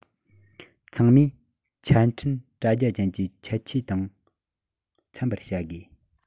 ཚང མས ཆ འཕྲིན དྲ རྒྱ ཅན གྱི ཁྱད ཆོས དང འཚམ པར བྱ དགོས